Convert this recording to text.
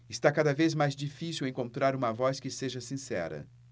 está cada vez mais difícil encontrar uma voz que seja sincera